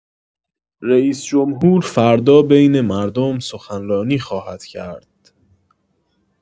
رئیس‌جمهور فردا بین مردم سخنرانی خواهد کرد